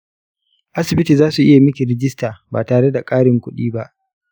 asibit zasu iya miki rijista ba tare da karin kudi ba.